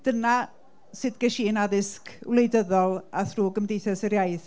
dyna sut ges i'n addysg wleidyddol a thrwy Gymdeithas yr Iaith.